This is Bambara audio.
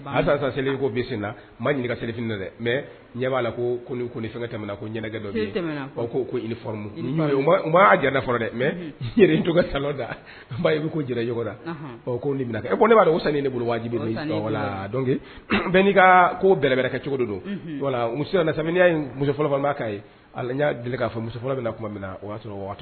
Asa seli ko maa ka selifin dɛ mɛ ɲɛ b'a la fɛn tɛmɛna ko ko i nimu' jira fɔlɔ dɛ mɛ sa da i bɛ ko jɛnɛda ko nin bɛna kɛ e ko ne b'a dɔn ko sa ne bolojibike bɛn n'i ka ko bɛɛrɛ kɛ cogo don walaya muso fɔlɔ fana' kaa na deli k'a fɔ muso fɔlɔ bɛna tuma min na o y